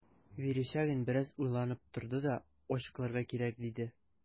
Верещагин бераз уйланып торды да: – Ачыкларга кирәк,– диде.